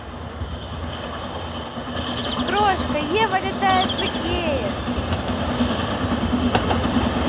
крошка ева летает в икее